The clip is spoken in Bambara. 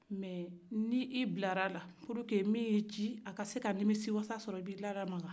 ee ni bilara walasa min yi ci a ka se ka nimisi wasa sɔrɔ i bi dalamaka